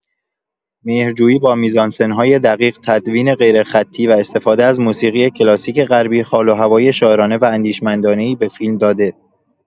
مهرجویی با میزانسن‌های دقیق، تدوین غیرخطی و استفاده از موسیقی کلاسیک غربی، حال‌وهوای شاعرانه و اندیشمندانه‌ای به فیلم داده.